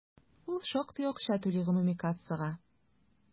Ул шактый акча түли гомуми кассага.